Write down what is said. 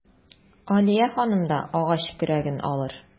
Алия ханым да агач көрәген алыр.